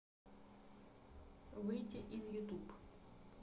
выйти из youtube